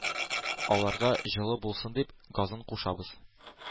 Аларга җылы булсын дип, газын кушабыз.